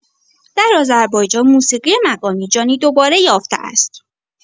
در آذربایجان موسیقی مقامی جانی دوباره یافته است.